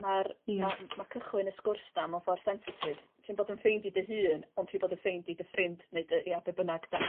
ma'r... Ia. ... ma' ma' cychwyn y sgwrs 'na mewn ffor sensitif ti'n bod yn ffeind i dy hun ond ti bod yn ffeind i dy ffrind neu dy ia be' bynnag 'de?